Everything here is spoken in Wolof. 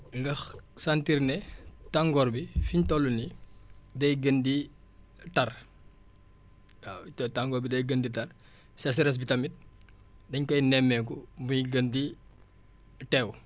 nga sentir ne tàngoor bi fi ñu toll nii day gën di tar waaw te tàngoor bi day gën di tar séchersse bi tamit dañ koy nemmeeku muy gën di teew